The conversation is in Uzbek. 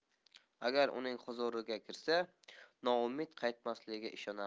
agar uning huzuriga kirsa noumid qaytmasligiga ishonardi